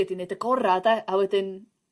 ydi neud y gora' 'de a wedyn